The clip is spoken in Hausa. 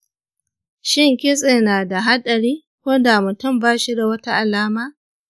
shin kitse na da haɗari ko da mutum ba shi da wata alama?